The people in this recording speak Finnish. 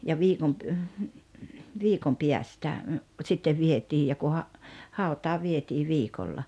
ja viikon - viikon päästä sitten vietiin ja kun - hautaan vietiin viikolla